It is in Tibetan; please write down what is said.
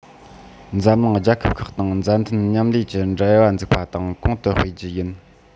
འཛམ གླིང རྒྱལ ཁབ ཁག དང མཛའ མཐུན མཉམ ལས ཀྱི འབྲེལ བ འཛུགས པ དང གོང དུ སྤེལ རྒྱུ ཡིན